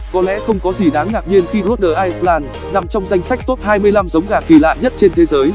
có lẽ không có gì đáng ngạc nhiên khi rhode island nằm trong danh sách top giống gà kỳ lạ nhất trên thế giới